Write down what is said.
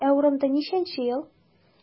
Ә урамда ничәнче ел?